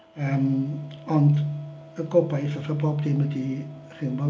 Yym ond y gobaith fatha bob dim ydi chimod.